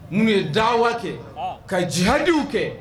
Mun ye dawa kɛ ka ji hadiw kɛ